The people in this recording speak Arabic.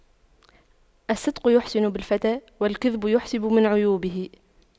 الصدق يحسن بالفتى والكذب يحسب من عيوبه